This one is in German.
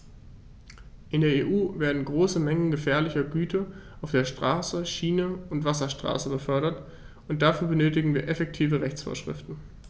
In der EU werden große Mengen gefährlicher Güter auf der Straße, Schiene und Wasserstraße befördert, und dafür benötigen wir effektive Rechtsvorschriften.